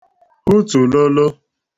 hutùlolo